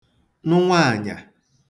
nụ nwaànyà